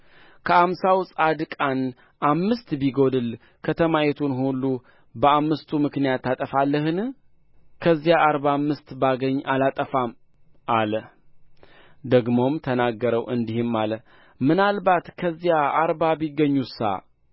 ከአምሳው ጻድቃን አምስት ቢጐድሉ ከተማይቱን ሁሉ በአምስቱ ምክንያት ታጠፋለህን ከዚያ አርባ አምስት ባገኝ አላጠፋትም አለ ደግሞም ተናገረው እንዲህም አለ ምናልባት ከዚያ አርባ ቢገኙሳ